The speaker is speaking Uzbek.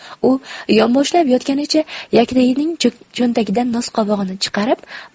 u yonboshlab yotganicha yaktagining cho'ntagidan nosqovog'ini chiqarib